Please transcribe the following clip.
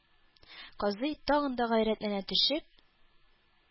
Казый, тагын гайрәтләнә төшеп: